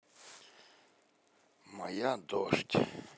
моя дождь